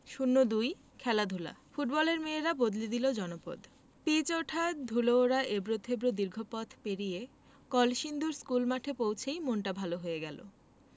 ০২ খেলাধুলা ফুটবলের মেয়েরা বদলে দিল জনপদ পিচ ওঠা ধুলো ওড়া এবড়োখেবড়ো দীর্ঘ পথ পেরিয়ে কলসিন্দুর স্কুলমাঠে পৌঁছেই মনটা ভালো হয়ে গেল